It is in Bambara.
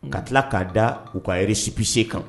Ka tila k'a da u kay sip se kan